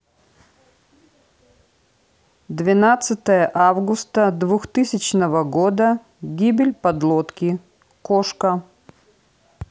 двенадцатое августа двухтысячного года гибель подлодки кошка